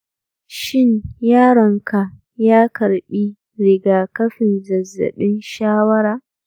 shin yaronka ya karɓi rigakafin zazzabin shawara?